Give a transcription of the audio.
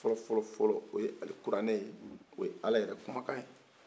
a fɔlɔfɔlɔ o ye alfuranɛ ye o ye ala yɛrɛ kumankan ye